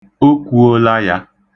O kwuola ya.